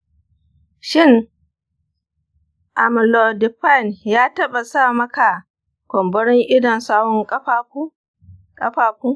shin amlodipine ya taɓa sa maka kumburin idon sawun ƙafafu?